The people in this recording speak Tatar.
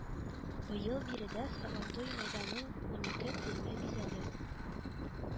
Быел биредә сабантуй мәйданын унике тирмә бизәде